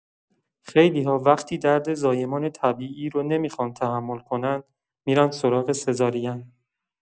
خیلی‌ها وقتی درد زایمان طبیعی رو نمی‌خوان تحمل کنن می‌رن سراغ سزارین.